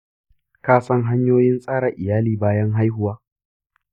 ka san hanyoyin tsara iyali bayan haihuwa?